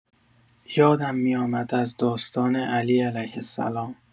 یادم می‌آمد از داستان علی (ع)